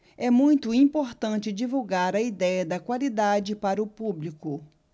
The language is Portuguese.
é muito importante divulgar a idéia da qualidade para o público